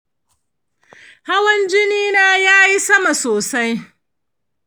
hawan jinina yayi sama sosai.